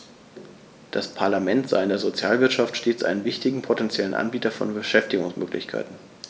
Das Parlament sah in der Sozialwirtschaft stets einen wichtigen potentiellen Anbieter von Beschäftigungsmöglichkeiten.